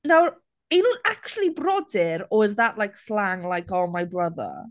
Nawr, 'y'n nhw'n actually brodyr, or is that like slang like, oh, my brother?